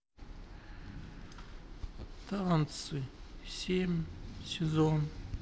танцы семь сезон